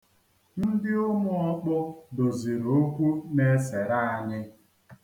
Ndị ụmụọkpụ doziri okwu na-esere anyị.